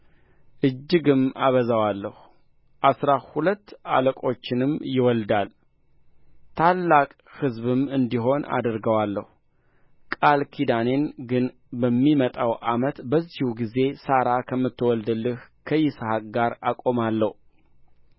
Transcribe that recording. እጅግም አበዛዋለሁ አሥራ ሁለት አለቆችንም ይወልዳል ታላቅ ሕዝብም እንዲሆን አደርገዋለሁ ቃል ኪዳኔን ግን በሚመጣው ዓመት በዚሁ ጊዜ ሣራ ከምትወልድልህ ከይስሐቅ ጋር አቆማለሁ